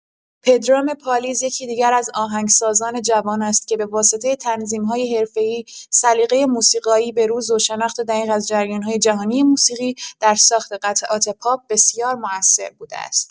پدرام پالیز یکی دیگر از آهنگسازان جوان است که به واسطه تنظیم‌های حرفه‌ای، سلیقه موسیقایی به‌روز و شناخت دقیق از جریان‌های جهانی موسیقی، در ساخت قطعات پاپ بسیار مؤثر بوده است.